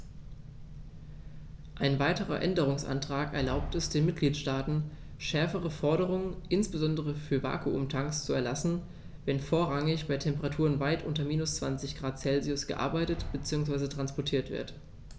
Ein weiterer Änderungsantrag erlaubt es den Mitgliedstaaten, schärfere Forderungen, insbesondere für Vakuumtanks, zu erlassen, wenn vorrangig bei Temperaturen weit unter minus 20º C gearbeitet bzw. transportiert wird.